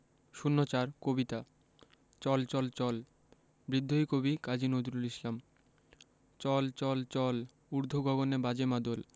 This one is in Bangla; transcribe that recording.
০৪ কবিতা চল চল চল বিদ্রোহী কবি কাজী নজরুল ইসলাম চল চল চল ঊর্ধ্ব গগনে বাজে মাদল